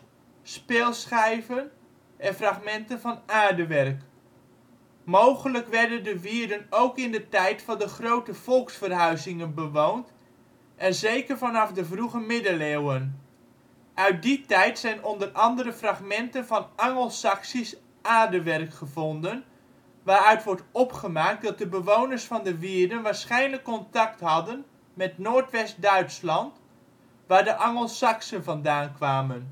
speelschijven en fragmenten van aardewerk. Mogelijk werden de wierden ook in de tijd van de grote volksverhuizingen bewoond en zeker vanaf de vroege middeleeuwen. Uit die tijd zijn onder andere fragmenten van angelsaksisch aardewerk gevonden, waaruit wordt opgemaakt dat de bewoners van de wierden waarschijnlijk contact hadden met Noordwest-Duitsland, waar de Angelsaksen vandaan kwamen